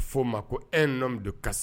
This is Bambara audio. Fo ma ko un homme de caste